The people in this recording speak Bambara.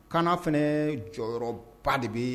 Kaana fɛnɛ jɔyɔrɔba de bɛ